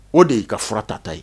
O de y'i ka fura tata ye